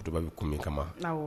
Duba bɛ kun min kama, awɔ